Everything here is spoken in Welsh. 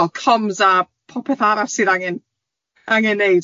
...wel coms a popeth arall sydd angen angen wneud.